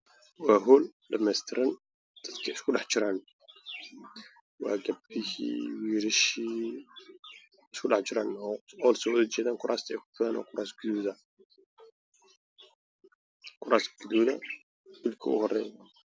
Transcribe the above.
Bishan waa hool waxaa isku imaaday niman iyo naago waxa ay wataan dhar kuraas ah ay ku fadhiyaan guduud ah